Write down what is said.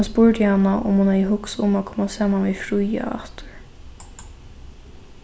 hann spurdi hana um hon hevði hugsað um at koma saman við fríða aftur